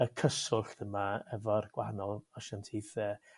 y cyswllt yma efo'r gwahanol asiantaethe.